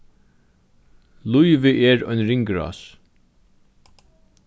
lívið er ein ringrás